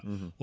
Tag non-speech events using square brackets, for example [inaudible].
[hesitation] [hesitation]